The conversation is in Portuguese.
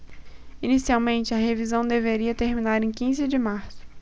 inicialmente a revisão deveria terminar em quinze de março